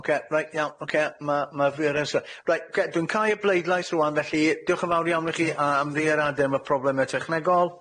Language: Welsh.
Oce reit iawn oce ma' reit oce dwi'n cau y bleidlais rŵan felly dioch yn fawr iawn i chi a ymddieuriade am y problemau technegol.